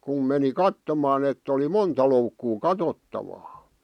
kun meni katsomaan että oli monta loukkua katsottavaa